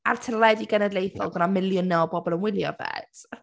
Ar teledu genedlaethol, a bod 'na miliynau o bobl yn wylio fe.